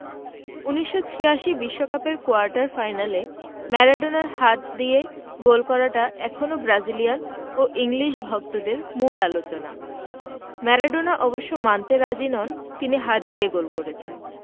১৯৮৬ বিশ্বকাপের কোয়ার্টার ফাইনালে ম্যারাডোনার হাত দিয়ে গোল করাটা এখনো ব্রাজিলিয়ান ও ইংলিশ ভক্তদের মূল আলোচনা ম্যারাডোনা অবশ্য মানতে রাজি নন তিনি হাত দিয়ে গোল করেছেন